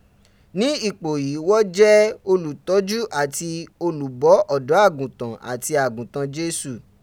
Ni ipo yii, won je olutoju ati olubo odo agutan ati agutan Jesu